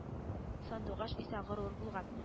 Сандугач исә горур булган